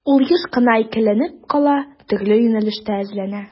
Ул еш кына икеләнеп кала, төрле юнәлештә эзләнә.